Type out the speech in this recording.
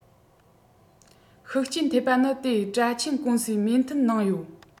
ཤུགས རྐྱེན ཐེབས པ ནི དེ དྲ ཆེན ཀུང སིའི མོས མཐུན གནང ཡོད